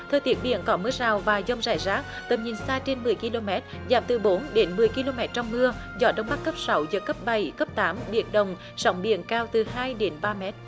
thời tiết biển có mưa rào và dông rải rác tầm nhìn xa trên mười ki lô mét giảm từ bốn đến mười ki lô mét trong mưa gió đông bắc cấp sáu giật cấp bảy cấp tám biển động sóng biển cao từ hai đến ba mét